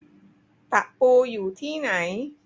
ตะปูอยู่ที่ไหน